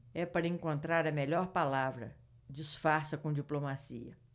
é para encontrar a melhor palavra disfarça com diplomacia